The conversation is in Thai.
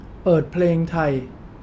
เปิดเพลงไทย